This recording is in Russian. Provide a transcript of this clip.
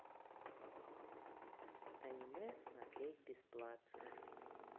аниме смотреть бесплатно